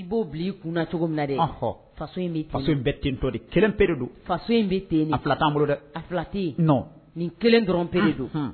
I b'o bila kun na cogo min na dehɔ faso in faso in bɛ tentɔ de kelen peere don faso in bɛ ten a fila tan bolo a filati nin kelen dɔrɔn peere de don